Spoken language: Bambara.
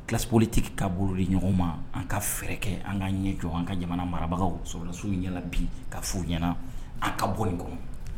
Classe politique ka bolodi ɲɔgɔn ma an ka fɛrɛ kɛ an ka ɲɛ jɔ an ka jamana marabagaw sɔrasiw ɲɛla bi ka f'u ɲɛna an ka bɔ nin kɔnɔ